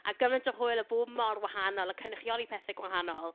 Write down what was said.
a gymaint o hwyl yn bod mor wahanol, a cynrychioli pethau gwahanol.